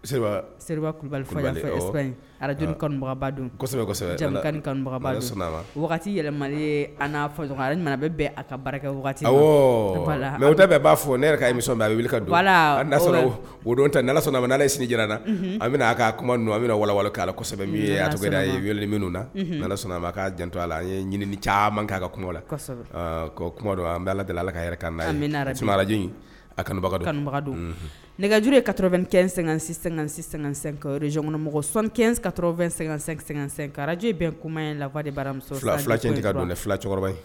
Kulubalij yɛlɛ an a kakɛ mɛ b'a fɔ ne kami ka don don ta sɔnna a sini jna a bɛna a ka kuma don a bɛnawale'sɛbɛ minnu na janto la an ɲini caman kɛ ka kuma la kuma an bɛ ala delila ala kaj kanukaj kato--sɛ-sɛsɛ zɔnmɔgɔ sɔn ka-sɛsɛj bɛ kuma in la bara ka don ne fila cɛkɔrɔba ye